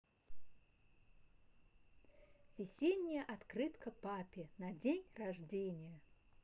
весенняя открытка папе на день рождения